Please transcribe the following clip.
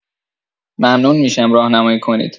ممنون می‌شم راهنمایی کنید